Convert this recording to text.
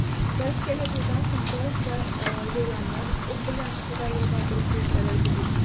Бәлки әле туйдан соң барысы да җайланыр, ут белән су да елга бер килешәләр, ди бит.